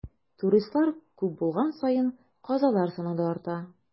Туристлар күп булган саен, казалар саны да арта.